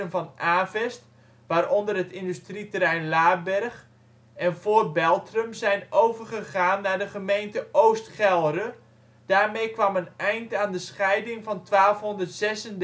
van Avest (waaronder het industrieterrein Laarberg) en Voor-Beltrum zijn overgegaan naar de gemeente Oost Gelre. Daarmee kwam een eind aan de scheiding van 1236